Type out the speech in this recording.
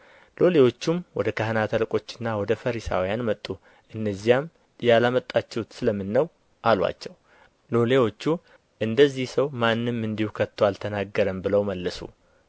ሎሌዎቹም ወደ ካህናት አለቆችና ወደ ፈሪሳውያን መጡ እነዚያም ያላመጣችሁት ስለ ምን ነው አሉአቸው ሎሌዎቹ እንደዚህ ሰው ማንም እንዲሁ ከቶ አልተናገረም ብለው መለሱ